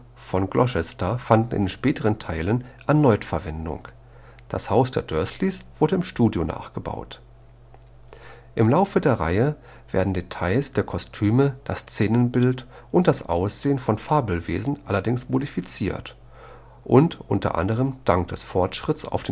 Gloucester fanden in den späteren Teilen erneut Verwendung, das Haus der Dursleys wurde im Studio nachgebaut. Im Laufe der Reihe wurden Details der Kostüme, das Szenenbild und das Aussehen von Fabelwesen allerdings modifiziert und – unter anderem dank des Fortschritts auf